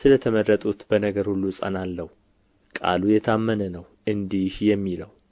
ስለ ተመረጡት በነገር ሁሉ እጸናለሁ ቃሉ የታመነ ነው እንዲህ የሚለው